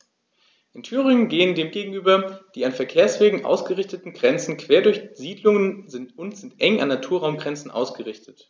In Thüringen gehen dem gegenüber die an Verkehrswegen ausgerichteten Grenzen quer durch Siedlungen und sind eng an Naturraumgrenzen ausgerichtet.